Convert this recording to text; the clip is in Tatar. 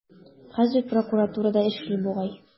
Хәзер прокуратурада эшли бугай.